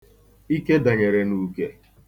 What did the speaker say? Ike danyere n'uke.